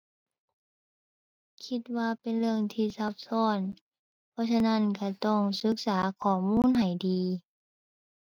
คิดว่าเป็นเรื่องที่ซับซ้อน เพราะฉะนั้นก็ต้องศึกษาข้อมูลให้ดี